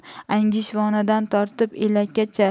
angishvonadan tortib elakkacha